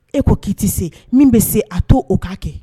E ko k'i tɛ se min bɛ se a to o k'a kɛ